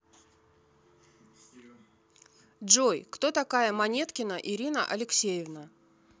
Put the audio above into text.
джой кто такая монеткина ирина алексеевна